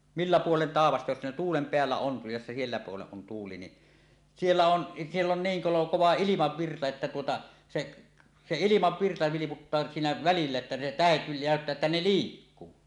millä puolen taivasta jos ne tuulen päällä on jos se siellä puolen on tuuli niin siellä on siellä on niin kolo kova ilmavirta että tuota se se ilmavirta vilputtaa siinä välillä että ne tähdet näyttää että ne liikkuu